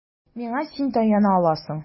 Миңа син таяна аласың.